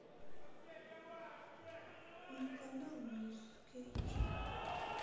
на канал мисс кейти